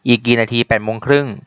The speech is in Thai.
อีกกี่นาทีแปดโมงครึ่ง